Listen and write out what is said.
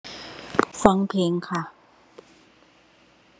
ฟังเพลงค่ะ